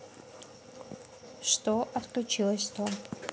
что отключилось то